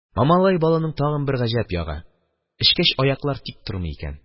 Мамалай балының тагын бер гаҗәп ягы: эчкәч, аяклар тик тормый икән.